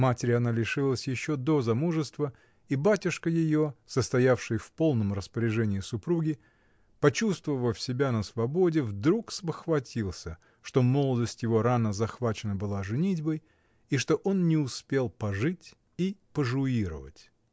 Матери она лишилась еще до замужества, и батюшка ее, состоявший в полном распоряжении супруги, почувствовав себя на свободе, вдруг спохватился, что молодость его рано захвачена была женитьбой и что он не успел пожить и пожуировать.